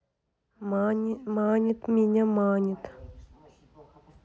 манит меня манит